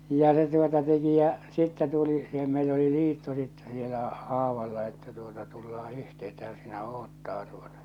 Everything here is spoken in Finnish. ja se tuota teki ja sitten tuli siihen meillä oli liitto sitten siellä aavalla että tuota tullaan yhtenä että hän sinä odottaa tuota